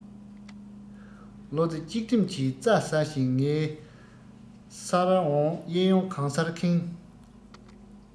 བློ རྩེ གཅིག སྒྲིམ གྱིས རྩྭ ཟ བཞིན ངའི སར འོང གཡས གཡོན གང སར ཁེངས